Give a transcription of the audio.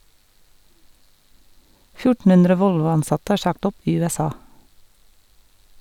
1400 Volvo-ansatte er sagt opp i USA.